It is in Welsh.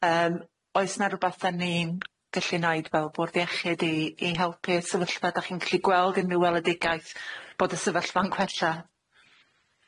Yym oes 'na rwbath da ni'n gallu neud fel bwrdd iechyd i i helpu y sefyllfa, 'dach chi'n gallu gweld yn fy weledigaeth bod y sefyllfa'n gwella?